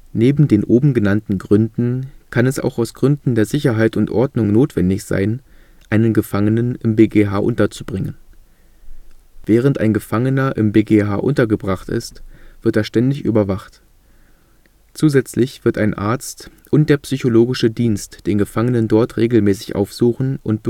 Neben den oben genannten Gründen kann es auch aus Gründen der Sicherheit und Ordnung notwendig sein, einen Gefangenen im BgH unterzubringen. Während ein Gefangener im BgH untergebracht ist, wird er ständig überwacht. Zusätzlich wird ein Arzt und der psychologische Dienst den Gefangenen dort regelmäßig aufsuchen und